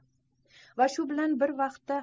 va shu bilan bir vaqtda